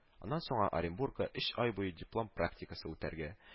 Аннан соң аңа Оренбургта өч ай буе диплом практикасы үтәргә